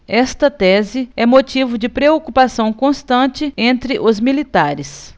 esta tese é motivo de preocupação constante entre os militares